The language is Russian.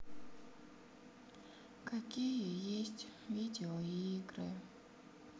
какие есть видеоигры